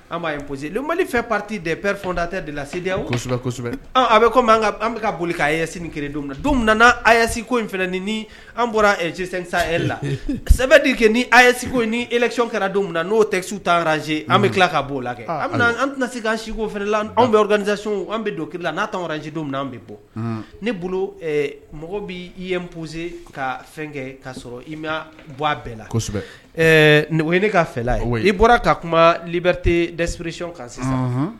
An b'a yese mali fɛ pati de pɛrida tɛ de ladi kosɛbɛsɛbɛ a bɛ an bɛka ka boli sini kelen don nana asinko in fɛ ni ni an bɔrasa la sɛbɛ de kɛ ni yeko ni ecɔn kɛra don min na n'o tɛ su taraz an bɛ tila k ka bɔ'o la kɛ an an tɛna se' siko fɛ la anw bɛkadzcy an bɛ don ki la n'a tɔji min an bɛ bɔ ne bolo mɔgɔ bɛ i ye n ppse ka fɛn kɛ k kaa sɔrɔ i bɔ a bɛɛ lasɛbɛ ye ne ka fɛla ye i bɔra ka kuma libte dapresiy kan sisan